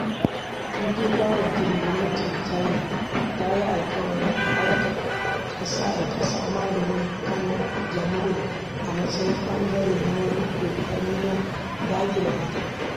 Tun 2003, gwamnatin China ta yi alƙawarin aikawa ƙasa-da-ƙasa maganin ƙanjamau a matsayin ɓangare na wani ƙoƙari na daƙile batun.